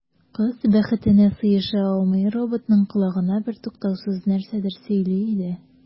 Кыз, бәхетенә сыеша алмый, роботның колагына бертуктаусыз нәрсәдер сөйли иде.